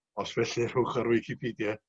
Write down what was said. os felly rhowch o ar wicipedia.